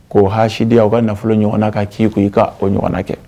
K'o hasidiya o ka nafolo ɲɔgɔnna ka k'i kun i ka o ɲɔgɔnna kɛ